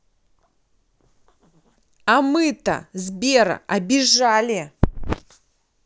а мы то сбера обижали